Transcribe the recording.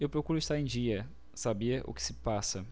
eu procuro estar em dia saber o que se passa